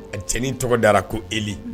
A cɛnin tɔgɔ dara ko e